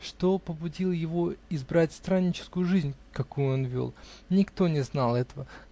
что побудило его избрать странническую жизнь, какую он вел? Никто не знал этого.